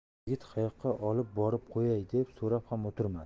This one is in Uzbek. yigit qayoqqa olib borib qo'yay deb so'rab ham o'tirmadi